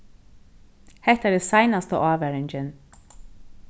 hetta er seinasta ávaringin